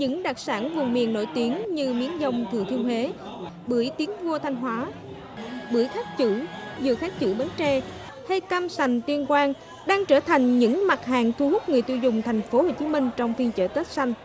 những đặc sản vùng miền nổi tiếng như miến dong thừa thiên huế bưởi tiến vua thanh hóa bưởi khắc chữ dưa khắc chữ bến tre hay cam sành tuyên quang đang trở thành những mặt hàng thu hút người tiêu dùng thành phố hồ chí minh trong phiên chợ tết xanh